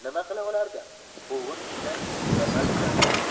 nima qila olardi quvg'in ichidan chiqib ketolmasdi